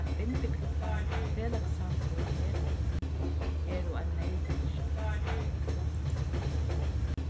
at bindiklubbar og felagssangur á netinum eru ein neyðloysn